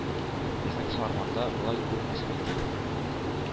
Безнең Сарманда болай күп үсми”,ди